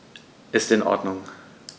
Ist in Ordnung.